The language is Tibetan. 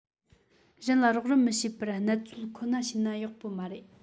གཞན ལ རོགས རམ མི བྱེད པར སྙད འཚོལ ཁོ ན བྱས ན ཡག པོ མ རེད